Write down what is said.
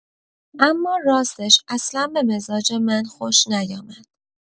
اما راستش اصلا به مزاج من خوش نیامد.